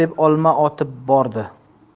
deb olma otib bordi